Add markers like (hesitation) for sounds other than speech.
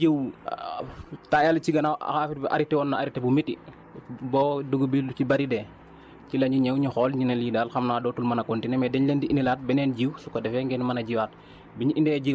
xam nga dañoo jiw (hesitation) temps yële ci gannaaw affaire bi arrêté woon na arrêté bu métti ba dugub bi lu ci bëri dee ci la ñu ñëw ñu xool ñu ne lii daal xam naa dootul mën a continuer mais dañ leen di indilaat beneen jiw su ko defee ngeen mën a jiwaat